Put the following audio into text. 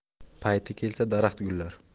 payti kelsa daraxt gullar